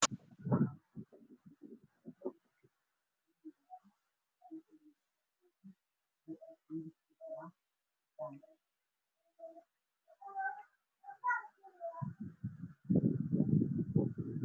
Waa waddo oo uu taagan yahay gaari